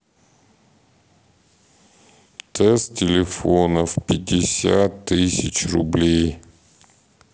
тест телефонов пятьдесят тысяч рублей